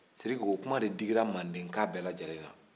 sidiki o kuma de digira madenka bɛɛ lajɛlen na